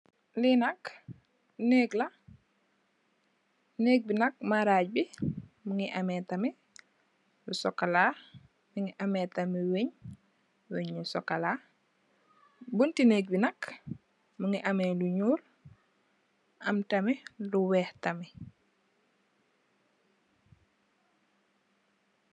Lii nak nehgg la, nehgg bii nak marajj bii mungy ameh tamit lu chocolat, mungy ameh tamit weungh, weungh yu chocolat, bunti nehgg bii nak mungy ameh lu njull, am tamit lu wekh tamit.